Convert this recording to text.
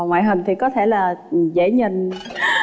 ngoại hình thì có thể là dễ nhìn